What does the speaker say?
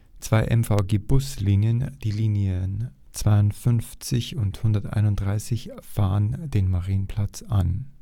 Zwei MVG-Buslinien, die Linien 52 und 131, fahren den Marienplatz an